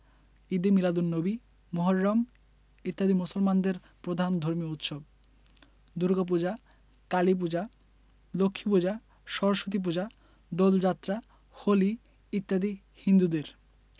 ঈদে মীলাদুননবী মুহররম ইত্যাদি মুসলমানদের প্রধান ধর্মীয় উৎসব দুর্গাপূজা কালীপূজা লক্ষ্মীপূজা সরস্বতীপূজা দোলযাত্রা হোলি ইত্যাদি হিন্দুদের